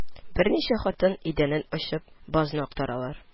Берничә хатын, идәнне ачып, базны актаралар